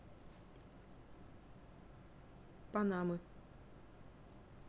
панамы